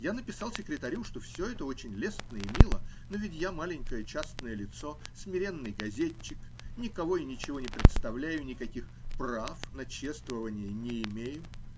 Я написал секретарю, что все это очень лестно и мило, но ведь я -- маленькое частное лицо, смиренный газетчик, никого и ничего не представляю и никаких прав на чествование не имею.